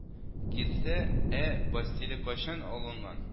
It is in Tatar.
Килсә: ә бастилия кайчан алынган